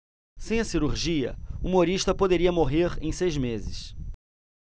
sem a cirurgia humorista poderia morrer em seis meses